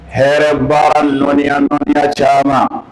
Hɛrɛ baara nya nɔ caman